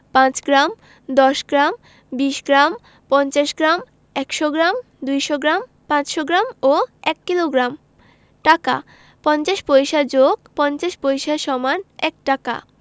৫ gram ১০গ্ৰাম ২০ gram ৫০ gram ১০০ gram ২০০ gram ৫০০ gram ও ১ kilogram টাকাঃ ৫০ পয়সা + ৫০ পয়সা = ১ টাকা